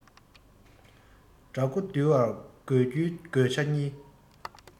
དགྲ མགོ འདུལ བར དགོས རྒྱུའི དགོས ཆ གཉིས